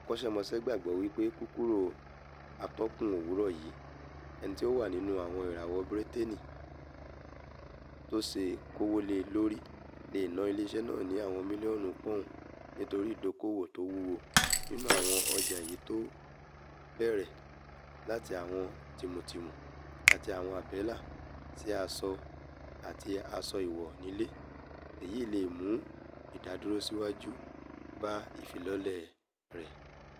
Àwọn akọ́ṣẹ́mọṣẹ́ gbàgbọ́ wipe kíkúrò atọ́kùn Òwúrọ̀ yìí, enití ó wà nínú àwọn ìràwọ̀ Briteeni tó ṣeé kówó lé lori, leè ná ilé-iṣẹ́ nàà ni àwọn mílíọ̀nụ̀ pọ́ùn nitori ìdókòwò tó wúwo nínú àwọn ọjà èyití tó bẹ̀rẹ̀ láti àwọn tìmù-tìmu àti àwọn àbẹ́là sí asọ àti asọ íwọ́ nílé, èyíì le mú ìdádúró siwaju bá ìfilọ́lẹ̀ rẹ̀.